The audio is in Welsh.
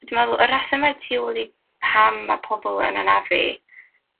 dwi meddwl y resyme tu ôl i pam ma' pobol yn anafu